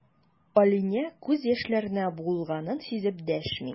Алинә күз яшьләренә буылганын сизеп дәшми.